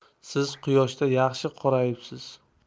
siz quyoshda yaxshi qorayibsiz